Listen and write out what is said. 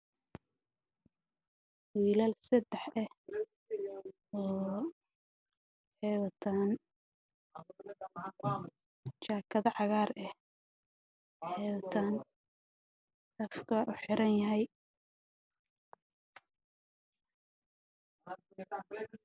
Meeshaan waxaa ka muuqdo wiilal sadax ah